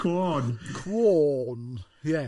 Cwôn, ie.